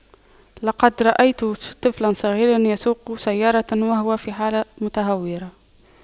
لقد رأيت طفلا صغيرا يسوق سيارة وهو في حالة متهورة